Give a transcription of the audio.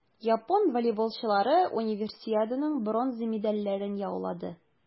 Япон волейболчылары Универсиаданың бронза медальләрен яулады.